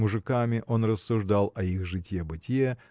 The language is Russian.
С мужиками он рассуждал о их житье-бытье